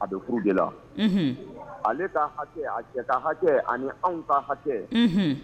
A bɛ furu gɛlɛyala ale ka hakɛ a jɛ ka hakɛ ani anw ka hakɛ